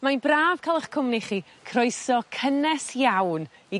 Mae'n braf ca'l 'ych cwmni chi. Croeso cynnes iawn i...